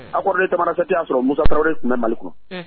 Hun accord de tamanrasset y'a sɔrɔ Musa Traoré tun bɛ Mali kɔnɔ unh